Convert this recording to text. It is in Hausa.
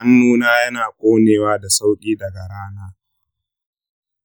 hannuna yana ƙonewa da sauƙi daga rana.